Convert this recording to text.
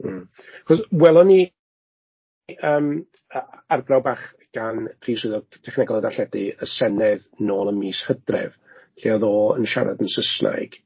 Mm achos welon ni yym a- arbrawf bach gan prif swyddog Technegol a Darlledu y Senedd nôl yn mis Hydref, lle oedd o yn siarad yn Saesneg.